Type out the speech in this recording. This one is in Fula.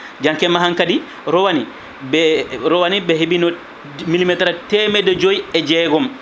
jnakemaha kadi rowane ɓe rawane ɓe heeɓino millimétre aji temedde joyyi e jeegom